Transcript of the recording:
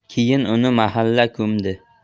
keyin uni mahalla ko'mdi